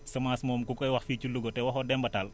semence moom ku koy wax fii ci Louga te waxoo Demba Tall